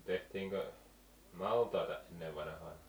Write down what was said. tehtiinkö maltaita ennen vanhaan